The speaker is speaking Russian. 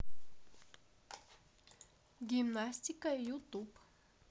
гимнастика ютуб